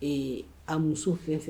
Ee a muso fɛn fɛ